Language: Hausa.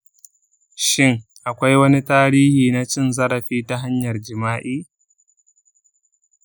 shin akwai wani tarihi na cin zarafi ta hanyar jima'i?